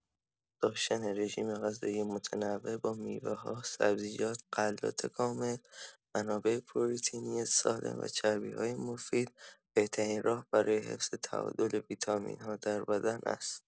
داشتن رژیم‌غذایی متنوع با میوه‌ها، سبزیجات، غلات کامل، منابع پروتئینی سالم و چربی‌های مفید بهترین راه برای حفظ تعادل ویتامین‌ها در بدن است.